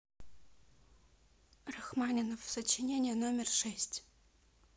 рахманинов сочинение номер шесть